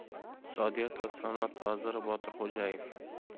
iqtisodiyot va sanoat vaziri botir xo'jayev